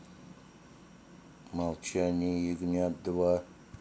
молчание ягнят два